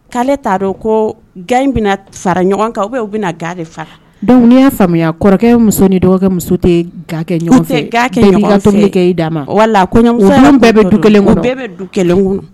K'ale t'a dɔn ko ga in bɛna fara ɲɔgɔn kan u bɛna ga de fara dɔnku n y'a faamuya kɔrɔkɛ muso ni dɔgɔ muso tɛ kɛ d'a ma wala bɛ bɛɛ bɛ du kun